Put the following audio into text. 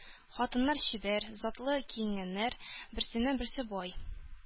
Хатыннар чибәр, затлы киенгәннәр, берсеннән-берсе бай.